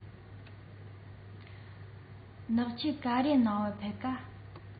ནག ཆུར ག རེ གནང བར ཕེབས ཀ